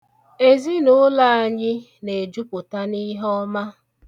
Ezinụụlọ anyị na-ejupụta n'ihe ọma.